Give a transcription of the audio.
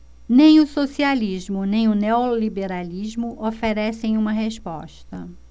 nem o socialismo nem o neoliberalismo oferecem uma resposta